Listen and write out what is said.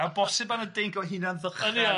a bosib bod 'na dinc o hunan ddychan hefyd... Ia